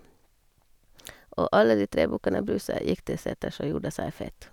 Og alle de tre bukkene Bruse gikk til seters og gjorde seg fet.